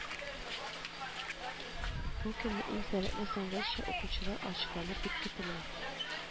Бу көнне иң сәләтле сәнгатьчә укучылар ачыкланыр дип көтелә